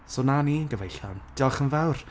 so 'na ni gyfeillion, diolch yn fawr.